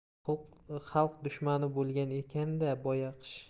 xalq dushmani bo'lgan ekan da boyaqish